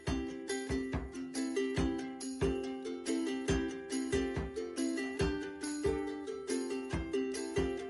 i'n tymbyd